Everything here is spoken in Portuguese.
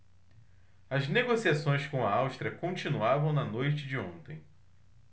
as negociações com a áustria continuavam na noite de ontem